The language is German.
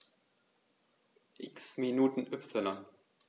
X Minuten Y